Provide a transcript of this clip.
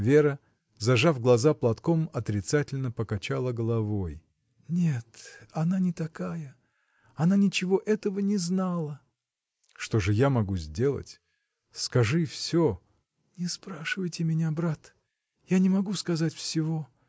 Вера, зажав глаза платком, отрицательно качала головой. — Нет, она не такая. она ничего этого не знала. — Что же я могу сделать?. скажи всё. — Не спрашивайте меня, брат. Я не могу сказать всего.